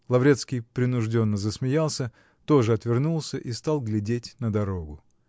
Лаврецкий принужденно засмеялся, тоже отвернулся и стал глядеть на дорогу.